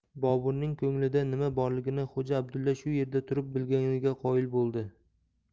boburning ko'nglida nima borligini xo'ja abdulla shu yerda turib bilganiga qoyil bo'ldi